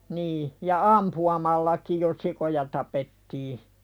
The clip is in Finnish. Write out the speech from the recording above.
niin ja ampumallakin jo sikoja tapettiin